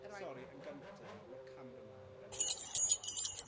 Sori, yn gynta, mae'r cameraman yn casáu Anna May.